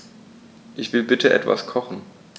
Ich will bitte etwas kochen.